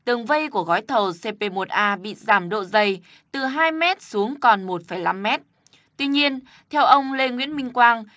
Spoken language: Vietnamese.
tường vây của gói thầu xê pê một a bị giảm độ dày từ hai mét xuống còn một phẩy lăm mét tuy nhiên theo ông lê nguyễn minh quang